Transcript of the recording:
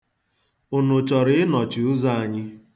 Unu chọrọ ịnọchi ụzọ anyị?